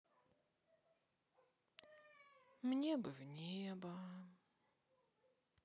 мне бы в небо